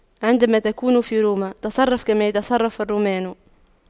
عندما تكون في روما تصرف كما يتصرف الرومان